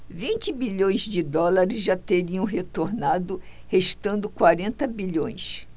vinte bilhões de dólares já teriam retornado restando quarenta bilhões